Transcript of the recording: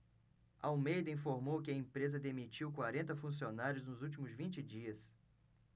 almeida informou que a empresa demitiu quarenta funcionários nos últimos vinte dias